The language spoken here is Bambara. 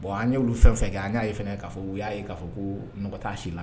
Bon an ye wu fɛn fɛ kɛ an y'a ye fɛ k'a fɔ u y'a ye k'a fɔ ko ɲɔn taa si la